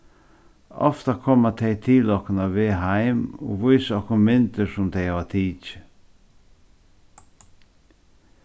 ofta koma tey til okkum á veg heim og vísa okkum myndir sum tey hava tikið